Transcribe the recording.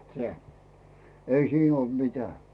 sehän ei siinä ollut mitään